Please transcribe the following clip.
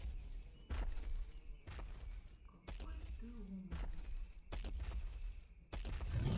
какой ты умный